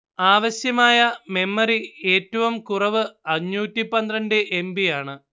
ആവശ്യമായ മെമ്മറി ഏറ്റവും കുറവ് അഞ്ഞൂറ്റി പന്ത്രണ്ട് എം ബി യാണ്